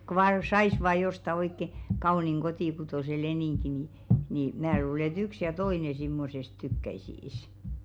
kun vain saisi vain jostakin oikein kauniin kotikutoisen leningin niin niin minä luulen että yksi ja toinen semmoisesta tykkäisi